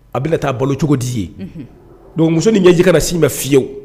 A bɛna taa balo cogo di ye don musosonin ɲɛji kana na sin bɛ fiyewu